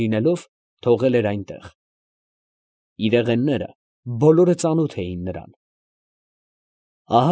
Լինելով, թողել էր այնտեղ։ Իրեղենները բոլորը ծանոթ էին նրան։